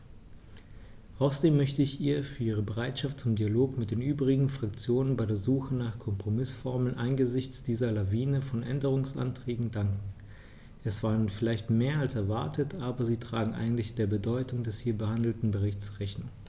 Außerdem möchte ich ihr für ihre Bereitschaft zum Dialog mit den übrigen Fraktionen bei der Suche nach Kompromißformeln angesichts dieser Lawine von Änderungsanträgen danken; es waren vielleicht mehr als erwartet, aber sie tragen eigentlich der Bedeutung des hier behandelten Berichts Rechnung.